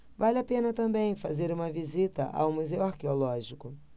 vale a pena também fazer uma visita ao museu arqueológico